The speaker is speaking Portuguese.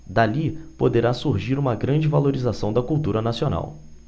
dali poderá surgir uma grande valorização da cultura nacional